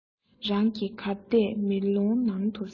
རང གིས གར བལྟས མེ ལོང ནང དུ གསལ